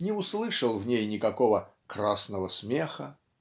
не услышал в ней никакого "красного смеха"